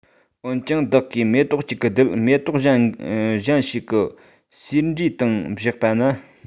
འོན ཀྱང བདག གིས མེ ཏོག གཅིག གི རྡུལ མེ ཏོག གཞན ཞིག གི ཟེ མགོའི སྟེང བཞག པ ན